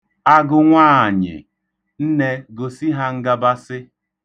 Agụnwaanyị! Nne, gosi ha ngabasị!